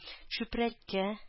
Чүпрәккә